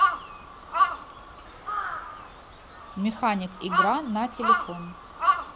механик игра на телефон